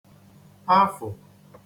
afụ̀